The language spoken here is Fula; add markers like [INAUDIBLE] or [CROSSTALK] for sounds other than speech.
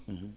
[HESITATION] [HESITATION]